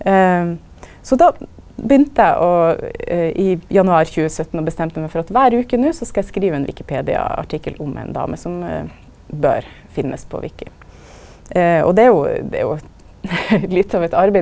så då begynte eg å i januar 2017 og bestemde eg meg for at kvar veke no så skal eg skriva ein wikipediaartikkel om ei dame som bør finnast på wiki, og det er jo det er jo litt av eit arbeid.